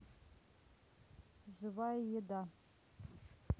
живая еда